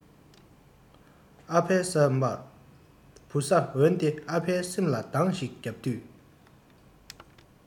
ཨ ཕའི བསམ པར བུ ས འོན ཏེ ཨ ཕའི སེམས ལ གདང ཞིག བརྒྱབ དུས